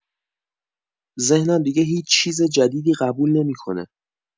ذهنم دیگه هیچ‌چیز جدیدی قبول نمی‌کنه